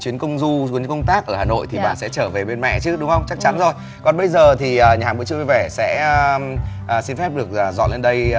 chuyến công du chuyến công tác ở hà nội thì bạn sẽ trở về bên mẹ chứ đúng không chắc chắn rồi còn bây giờ thì ở nhà hàng bữa trưa vui vẻ sẽ xin phép được dọn lên đây